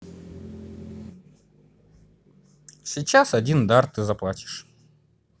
сейчас один дар ты заплачешь